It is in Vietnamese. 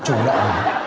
chủ nợ hả